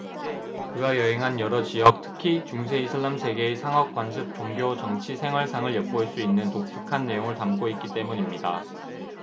그가 여행한 여러 지역 특히 중세 이슬람 세계의 상업 관습 종교 정치 생활상을 엿볼 수 있는 독특한 내용을 담고 있기 때문입니다